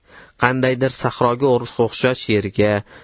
qandaydir sahroga o'xshash yerga